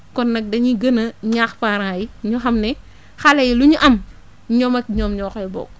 kon nag dañuy gën a ñaax parents yi ñu xam ne xale yi li ñu am ñoom ak ñoom ñoo koy bokk